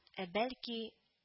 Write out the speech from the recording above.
Ә бәлки